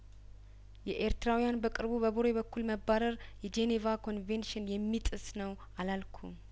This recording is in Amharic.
የኤርትራውያን በቅርቡ በቡሬ በኩል መባረር የጄኔቫ ኮንቬንሽን የሚጥስ ነው አላልኩም